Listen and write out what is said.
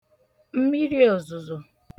m̀miriòzùzò